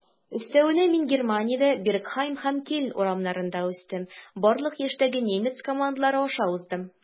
Өстәвенә, мин Германиядә, Бергхайм һәм Кельн урамнарында үстем, барлык яшьтәге немец командалары аша уздым.